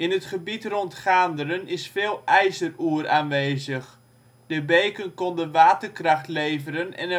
het gebied rond Gaanderen is veel ijzeroer aanwezig. De beken konden waterkracht leveren en